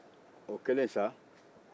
bɔn o kɛlen sa